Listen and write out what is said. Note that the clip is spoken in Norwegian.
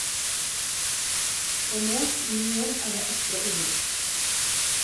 Og nå, i ny jobb, er jeg ekstra ydmyk.